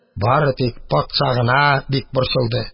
Бары тик патша гына бик борчылды.